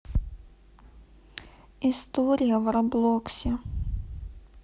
история в роблоксе